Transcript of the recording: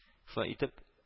Шулай итеп